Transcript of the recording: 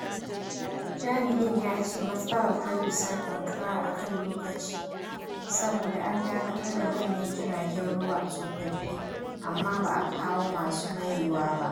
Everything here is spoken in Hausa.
Jami'in ya ce matsalar ta dusar ƙanƙara a kan lokaci, saboda an dakatar da manyan jiragen ruwa tsofaffi amma ba a kawo masu mayewa ba.